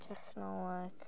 Technoleg.